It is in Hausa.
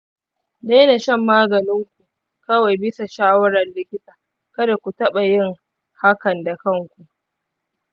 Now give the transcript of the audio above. daina shan maganin ku kawai bisa shawarar likita, kada ku taɓa yin hakan da kanku.